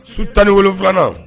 Su 17 nan.